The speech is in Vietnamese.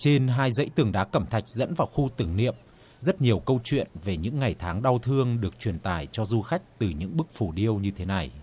trên hai dãy tường đá cẩm thạch dẫn vào khu tưởng niệm rất nhiều câu chuyện về những ngày tháng đau thương được truyền tải cho du khách từ những bức phù điêu như thế này